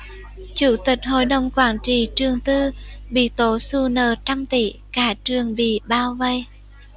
chủ tịch hội đồng quản trị trường tư bị tố xù nợ trăm tỷ cả trường bị bao vây